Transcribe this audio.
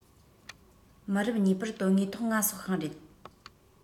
མི རབས གཉིས པར དོན དངོས ཐོག ང སྲོག ཤིང རེད